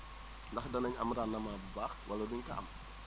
ndax danañ am rendement bu baax wala duñ ko am